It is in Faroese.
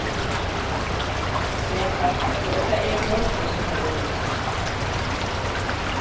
ja takk so er tað eyðun gaardbo sum fær orðið